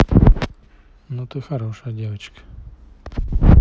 ну ты хорошая девочка